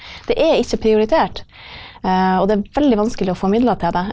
det er ikke prioritert, og det er veldig vanskelig å få midler til det.